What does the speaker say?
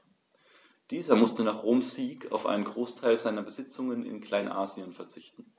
Dieser musste nach Roms Sieg auf einen Großteil seiner Besitzungen in Kleinasien verzichten.